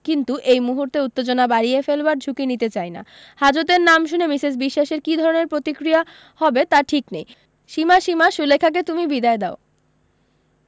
কিন্তু এই মূহুর্তে উত্তেজনা বাড়িয়ে ফেলবার ঝুঁকি নিতে চাই না হাজতের নাম শুনে মিসেস বিশ্বাসের কী ধরণের প্রতিক্রিয়া হবে তার ঠিক নেই সীমা সীমা সুলেখাকে তুমি বিদায় দাও